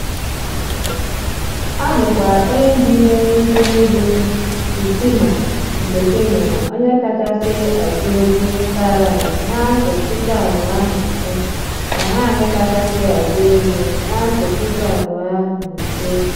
Ọ bụkwa onye ji ihe Nrite Egwu Kisima nke Kenya: Onye Kachasị Agụegwu Taraab na 2003 na Nwaanyị Kachasị Agụegwu na 2005.